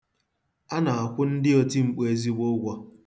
A na-akwụ ndị otimkpu ezigbo ụgwọ.